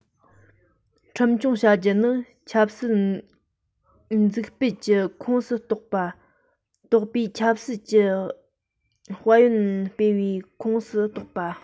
ཁྲིམས སྐྱོང བྱ རྒྱུ ནི ཆབ སྲིད འཛུགས སྤེལ གྱི ཁོངས སུ གཏོགས པས ཆབ སྲིད ཀྱི དཔལ ཡོན སྤེལ བའི ཁོངས སུ གཏོགས པ